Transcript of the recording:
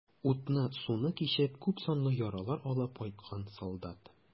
Утны-суны кичеп, күпсанлы яралар алып кайткан солдат.